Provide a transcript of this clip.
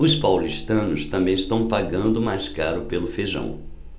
os paulistanos também estão pagando mais caro pelo feijão